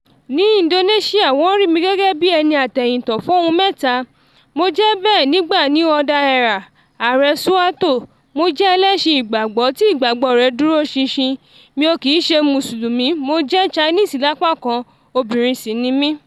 Ní indonesia, wọ́n rí mí gẹ́gẹ́ bí ẹni atẹyìntọ̀ fún ohun mẹ́ta – mo jẹ́ bẹ́ẹ̀ nígbà New Order era Aàrẹ Suharto: Mo jẹ́ ẹlẹ́sin ìgbàgbọ́ tí ìgbàgbọ́ rẹ̀ dúró ṣinṣin, mi ò kìí ṣe Mùsùlùmí, Mo jẹ́ Chinese lápá kan, obìnrin sì ni mí.